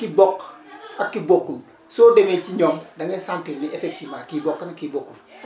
ki bokk ak ki bokkul soo demee si ñoom da ngay sentir ni effectivement kii bokk na kii bokkul